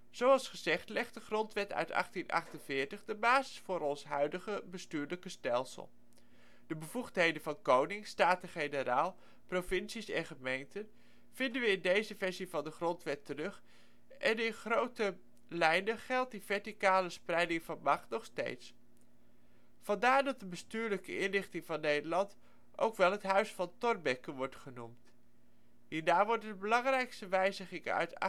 Zoals gezegd legt de Grondwet uit 1848 de basis voor ons huidige bestuurlijke stelsel. De bevoegdheden van Koning, Staten-Generaal, Provincies en Gemeenten vinden we in deze versie van de Grondwet terug en in grote lijnen geldt die verticale spreiding van macht nog steeds. Vandaar dat de bestuurlijke inrichting van Nederland ook wel het " Huis van Thorbecke " wordt genoemd. Hierna worden de belangrijkste wijzigingen uit